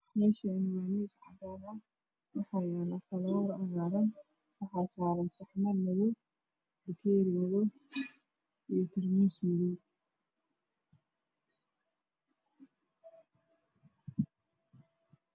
Meshani waa miis cadan ah waxaa yal falawaro cagaran waxaa saran saxamo madow ah iyo bakeeri madoow iyo tarmuus madoow